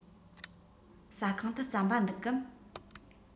ཟ ཁང དུ རྩམ པ འདུག གམ